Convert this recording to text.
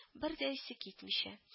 Бер дә исе китмичә